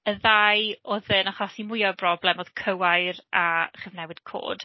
Y ddau oedd yn achosi mwya o broblem oedd cywair a chyfnewid cod.